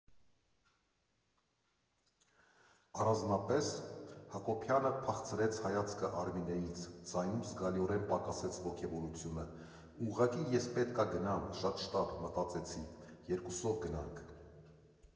Առանձնապես, ֊ Հակոբյանը փախցրեց հայացքը Արմինեից, ձայնում զգալիորեն պակասեց ոգևորությունը, ֊ ուղղակի ես պետք ա գնամ, շատ շտապ, մտածեցի՝ երկուսով գնանք։